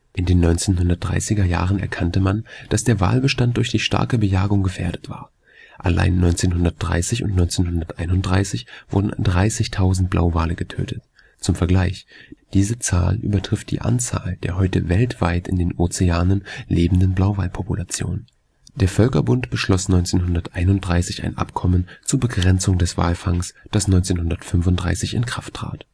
In den 1930er-Jahren erkannte man, dass der Walbestand durch die starke Bejagung gefährdet war. Allein 1930 und 1931 wurden 30.000 Blauwale getötet. Zum Vergleich: Diese Zahl übertrifft die Anzahl der heute weltweit in den Ozeanen lebenden Blauwalpopulation. Der Völkerbund beschloss 1931 ein Abkommen zur Begrenzung des Walfangs, das 1935 in Kraft trat